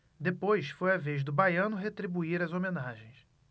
depois foi a vez do baiano retribuir as homenagens